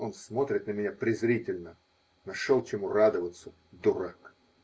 Он смотрит на меня презрительно: -- Нашел чему радоваться. Дурак.